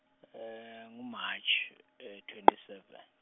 ngu March, twenty seven.